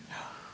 ja.